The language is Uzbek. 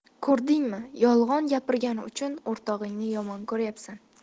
ko'rdingmi yolg'on gapirgani uchun o'rtog'ingni yomon ko'ryapsan